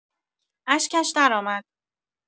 اشکش درآمد